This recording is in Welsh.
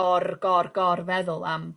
...gor gor gor feddwl am...